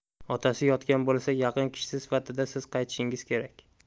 otasi yotgan bo'lsa yaqin kishisi sifatida siz qatnashishingiz kerak